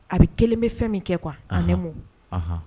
A 1 bɛ fɛn min kɛ quoi en un mot